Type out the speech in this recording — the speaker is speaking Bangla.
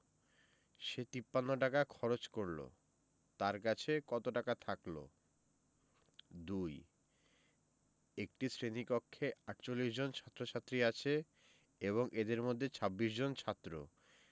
সে ৫৩ টাকা খরচ করল তার কাছে কত টাকা থাকল ২ একটি শ্রেণি কক্ষে ৪৮ জন ছাত্ৰ-ছাত্ৰী আছে এবং এদের মধ্যে ২৬ জন ছাত্র